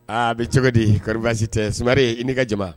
Aa bi cogo di kari baasisi tɛ sumari ye i'i ka jama